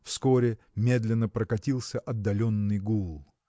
Вскоре медленно прокатился отдаленный гул.